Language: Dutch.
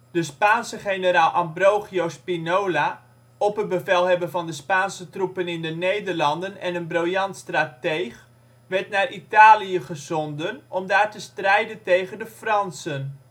De Spaanse generaal Ambrogio Spinola, opperbevelhebber van de Spaanse troepen in de Nederlanden en een briljant strateeg, werd naar Italië gezonden, om daar te strijden tegen de Fransen